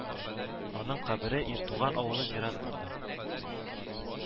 Аның кабере Иртуган авылы зиратында